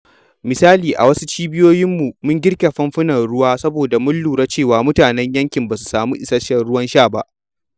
Misali, a wasu cibiyoyinmu, mun girka famfunan ruwa saboda mun lura cewa mutanen yankin ba sa samun isasshen ruwan sha.